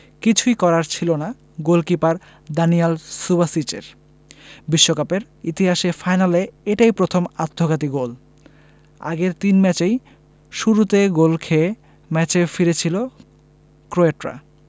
কিছুই করার ছিল না গোলকিপার দানিয়েল সুবাসিচের বিশ্বকাপের ইতিহাসে ফাইনালে এটাই প্রথম আত্মঘাতী গোল আগের তিন ম্যাচেই শুরুতে গোল খেয়ে ম্যাচে ফিরেছিল ক্রোয়াটরা